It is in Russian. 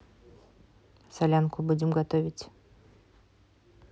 солянку будем готовить